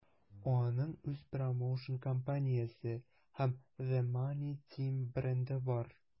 Аның үз промоушн-компаниясе һәм The Money Team бренды бар.